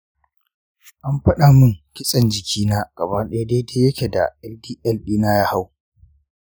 an faɗa min kitsen jiki na gaba ɗaya daidai ya ke amma ldl dina ya hau.